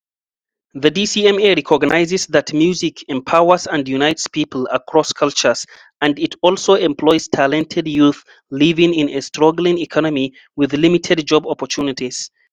The DCMA recognizes that music empowers and unites people across cultures — and it also employs talented youth living in a struggling economy with limited job opportunities.